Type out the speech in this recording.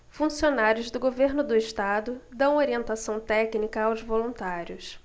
funcionários do governo do estado dão orientação técnica aos voluntários